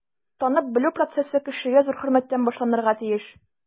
Танып-белү процессы кешегә зур хөрмәттән башланырга тиеш.